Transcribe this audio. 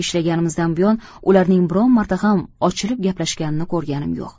ishlaganimizdan buyon ularning biron marta ham ochilib gaplashganini ko'rganim yo'q